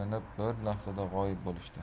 minib bir lahzada g'oyib bo'lishdi